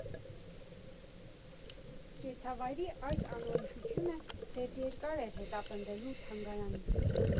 Կեցավայրի այս անորոշությունը դեռ երկար էր հետապնդելու թանգարանին։